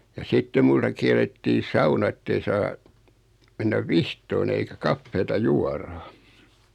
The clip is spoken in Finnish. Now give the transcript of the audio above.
ja sitten minulta kiellettiin sauna että ei saa mennä vihtomaan eikä kahvia juoda